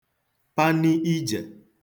pani ije